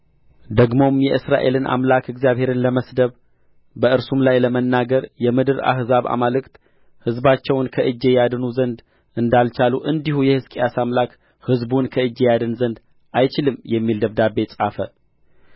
ደግሞም የእስራኤልን አምላክ እግዚአብሔርን ለመስደብ በእርሱም ላይ ለመናገር የምድር አሕዛብ አማልክት ሕዝባቸውን ከእጄ ያድኑ ዘንድ እንዳልቻሉ እንዲሁ የሕዝቅያስ አምላክ ሕዝቡን ከእጄ ያድን ዘንድ አይችልም የሚል ደብዳቤ ጻፈ